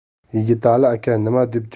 yigitali aka nima deb